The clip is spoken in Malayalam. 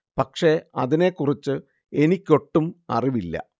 പക്ഷെ അതിനെ കുറിച്ച് എനിക്കൊട്ടും അറിവില്ല